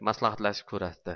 maslahatlashib ko'radi